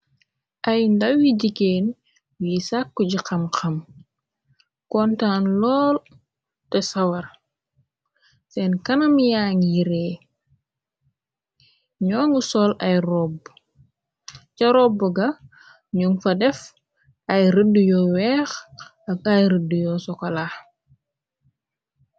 Ay ndawi jigeen, yi sàkku ji xamxam, kontaan lool te sawar, seen kanam yaangyi ree ñoo ngu sol ay robbu, ca robbu ga ñun fa def ay rëdd yoo weex, ak ay rëdd yoo sokolaa.